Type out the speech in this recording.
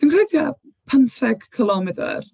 Dwi'n credu tua pumtheg cilomedr.